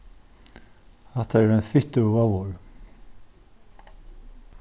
hatta er ein fittur vovvur